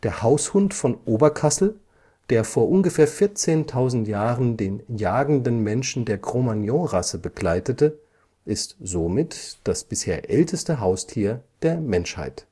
Haushund von Oberkassel, der vor ungefähr 14 000 Jahren den jagenden Menschen der Cromagnon-Rasse begleitete, ist somit das bisher älteste Haustier der Menschheit